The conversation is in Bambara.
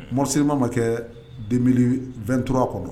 Morisiri ma ma kɛ den2ttura kɔnɔ